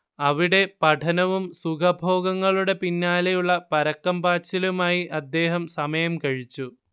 അവിടെ പഠനവും സുഖഭോഗങ്ങളുടെ പിന്നാലെയുള്ള പരക്കം പാച്ചിലുമായി അദ്ദേഹം സമയം കഴിച്ചു